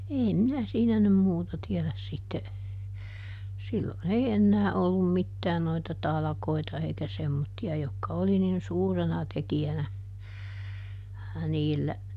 en minä siinä nyt muuta tiedä sitten silloin ei enää ollut mitään noita talkoita eikä semmoisia jotka oli niin suurena tekijänä niillä